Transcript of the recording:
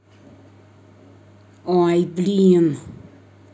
ой блин